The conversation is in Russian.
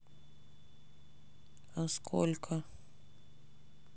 а сколько